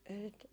ei sitä